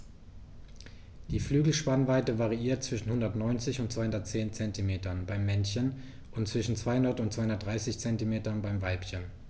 Die Flügelspannweite variiert zwischen 190 und 210 cm beim Männchen und zwischen 200 und 230 cm beim Weibchen.